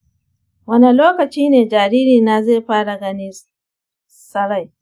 wane lokaci ne jaririna zai fara gani sarai?